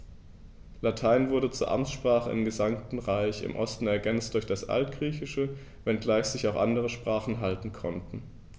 Latein wurde zur Amtssprache im gesamten Reich (im Osten ergänzt durch das Altgriechische), wenngleich sich auch andere Sprachen halten konnten.